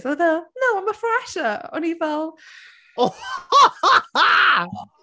Aeth e fel “No, I’m a fresher". O’n i fel